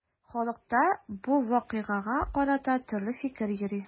Халыкта бу вакыйгага карата төрле фикер йөри.